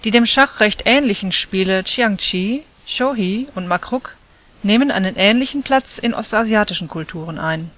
dem Schach recht ähnlichen Spiele Xiangqi, Shōgi und Makruk nehmen einen ähnlichen Platz in ostasiatischen Kulturen ein